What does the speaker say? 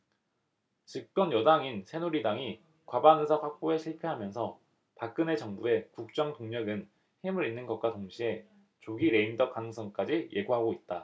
집권여당인 새누리당이 과반의석 확보에 실패하면서 박근혜 정부의 국정 동력은 힘을 잃는 것과 동시에 조기 레임덕 가능성까지 예고하고 있다